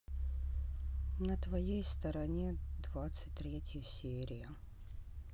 на твоей стороне двадцать третья серия